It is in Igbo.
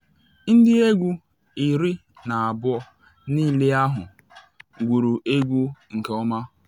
Ndị egwu 12 niile ahụ gwuru egwu nke ọma.